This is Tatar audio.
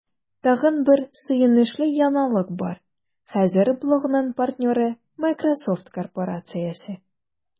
Тагын бер сөенечле яңалык бар: хәзер блогның партнеры – Miсrosoft корпорациясе!